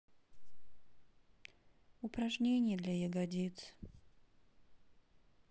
упражнения для ягодиц